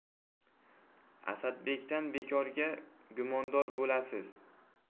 asadbekdan bekorga gumondor bo'lasiz